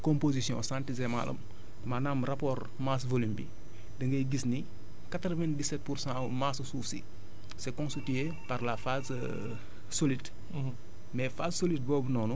boo ko jëlee nga defli ñu naan composition centisémale am maanaam rapport masse volume bi da ngay gis ni quatre vingt dix sept pour cent masse su suuf si c' est constitué par la phase solide